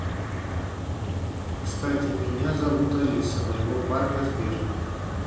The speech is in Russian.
кстати меня зовут алиса моего парня сбер